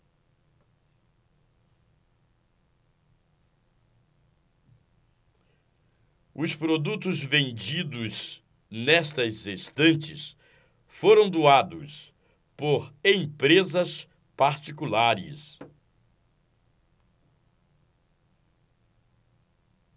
os produtos vendidos nestas estantes foram doados por empresas particulares